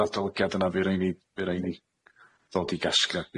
yr adolygiad yna, fu rai' ni fu rai' ni ddod i gasgliad.